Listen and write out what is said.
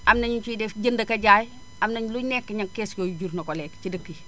am na ñu ciy def jënd ak a jaay am na lu nekk ña kees yooyu jur na ko léegi ci dëkk yi